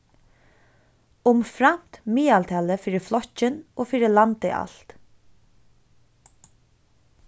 umframt miðaltalið fyri flokkin og fyri landið alt